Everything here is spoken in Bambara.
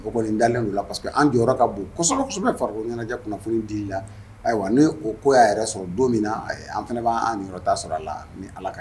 O kɔnni n dalen don o la parce que an jɔyɔrɔ ka bon kɔsɛbɛ kosɛbɛ farikoloɲɛnajɛ kunnafoni dilila ayiwa, ne o ko y'a yɛrɛ sɔrɔ don min na, ɛɛ, an fana b'an ɲi yɔrɔ ta sɔrɔ a la ni Ala ka